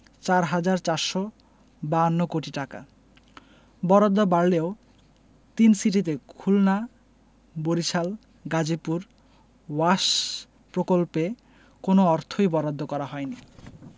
৪ হাজার ৪৫২ কোটি টাকা বরাদ্দ বাড়লেও তিন সিটিতে খুলনা বরিশাল গাজীপুর ওয়াশ প্রকল্পে কোনো অর্থই বরাদ্দ করা হয়নি